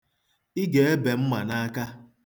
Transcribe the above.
Ị ga-ebe mma n'aka.